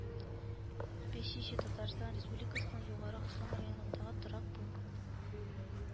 Печище Татарстан Республикасының Югары Ослан районындагы торак пункт